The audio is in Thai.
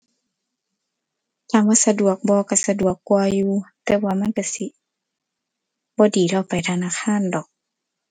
ถามว่าสะดวกบ่ก็สะดวกกว่าอยู่ แต่ว่ามันก็สิบ่ดีเท่าไปธนาคารดอก